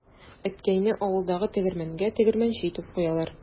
Әткәйне авылдагы тегермәнгә тегермәнче итеп куялар.